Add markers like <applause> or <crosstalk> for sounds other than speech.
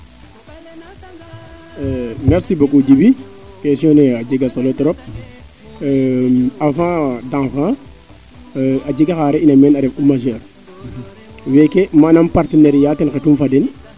Merci beaucoup Djiby question ne a jega solo trop <hesitation> avant d' enfant a jeg'a oxaa re'ina meen a ref u majeur meeke manam parteneriat ten xetum fa den